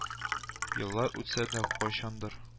Еллар үтсә дә, кайчандыр